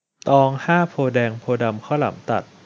ตองห้าโพธิ์แดงโพธิ์ดำข้าวหลามตัด